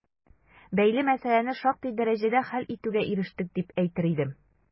Бәйле мәсьәләне шактый дәрәҗәдә хәл итүгә ирештек, дип әйтер идем.